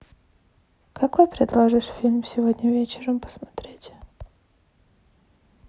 какой предложишь фильм сегодня вечером посмотреть